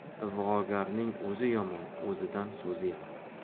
ig'vogarning o'zi yomon o'zidan so'zi yomon